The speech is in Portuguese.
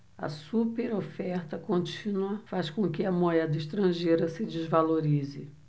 a superoferta contínua faz com que a moeda estrangeira se desvalorize